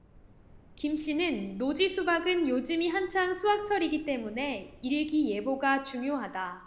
김씨는 노지 수박은 요즘이 한창 수확철이기 때문에 일기예보가 중요하다